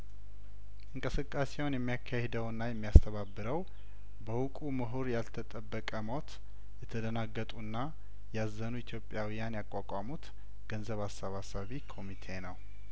እንቅስቃሴውን የሚያካሄደውና የሚያስ ተባብረው በእውቁምሁር ያልተጠበቀ ሞት የተደናገጡና ያዘኑ ኢትዮጵያውያን ያቋቋሙት ገንዘብ አሰባሳቢ ኮሚቴ ነው